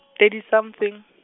thirty something.